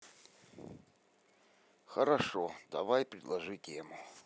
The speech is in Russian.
хорошо давай предложи тему